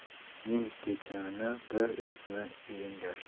ming chechanni bir ezma yengar